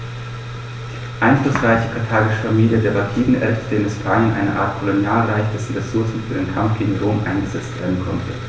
Die einflussreiche karthagische Familie der Barkiden errichtete in Hispanien eine Art Kolonialreich, dessen Ressourcen für den Kampf gegen Rom eingesetzt werden konnten.